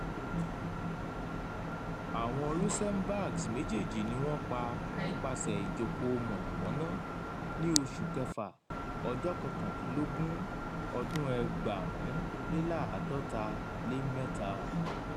Àwọn Rosenbergs méjèèjì ní wọ́n pa nípasẹ ìjókòó mọ̀nàmọ́ná ní June 19, 1953.